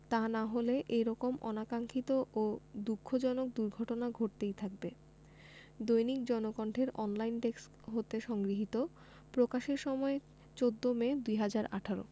তা না হলে এ রকম অনাকাংক্ষিত ও দুঃখজনক দুর্ঘটনা ঘটতেই থাকবে দৈনিক জনকণ্ঠের অনলাইন ডেস্ক হতে সংগৃহীত প্রকাশের সময় ১৪ মে ২০১৮